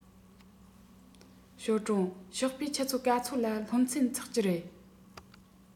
ཞའོ ཀྲུང ཞོགས པའི ཆུ ཚོད ག ཚོད ལ སློབ ཚན ཚུགས ཀྱི རེད